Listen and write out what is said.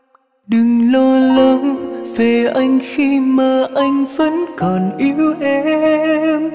đừng lo lắng về anh khi mà anh vẫn còn yêu em